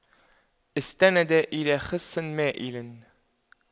استندت إلى خصٍ مائلٍ